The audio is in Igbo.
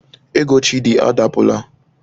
Ego Chidi adapụla.